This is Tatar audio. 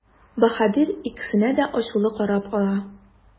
Баһадир икесенә дә ачулы карап ала.